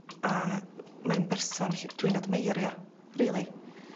A mae'n berson lly- dwi'n admeirio rili.